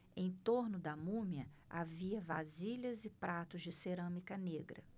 em torno da múmia havia vasilhas e pratos de cerâmica negra